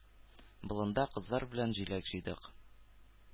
Болында кызлар белән җиләк җыйдык.